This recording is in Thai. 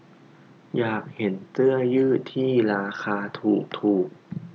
อยากเห็นเสื้อยืดที่ราคาถูกถูก